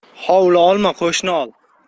hovli olma qo'shni ol